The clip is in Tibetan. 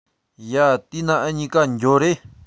ཡ དེས ན འུ གཉིས ཀ འགྱོ རེས